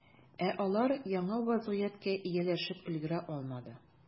Ә алар яңа вәзгыятькә ияләшеп өлгерә алмады.